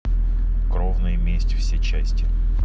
кровная месть все части